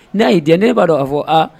N'a y'i diya n'e b'a dɔn ka fɔ aa